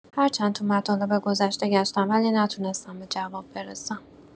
هرچند تو مطالب گذشته گشتم ولی نتونستم به جواب برسم.